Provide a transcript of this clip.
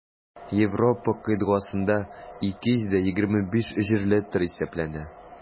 Европа кыйтгасында 225 җирле тел исәпләнә.